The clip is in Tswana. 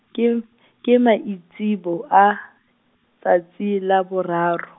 ke, ke maitseboa, tsatsi la boraro.